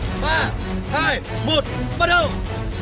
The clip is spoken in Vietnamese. ba hai một bắt đầu